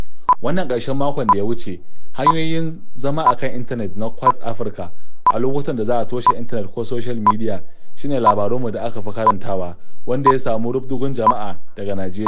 Wannan ƙarshen makon da ya wuce, hanyoyin zama a kan intanet na ƙuartz Africa a lokutan da za a toshe intanet ko soshiyal midiya shi ne labarinmu da aka fi karantawa, wanda ya samu rubdugun jama'a daga Najeriya.